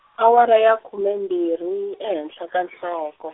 awara ya khume mbirhi ehenhla ka nhloko.